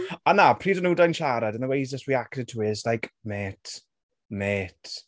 Ond na, pryd o'n nhw'n dau'n siarad, and the way he was just reacting to her, just like, mate. Mate.